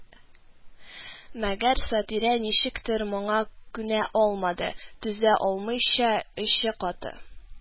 Мәгәр Сатирә ничектер моңа күнә алмады, түзә алмыйча эче катты